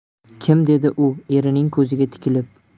kim dedi u erining ko'ziga tikilib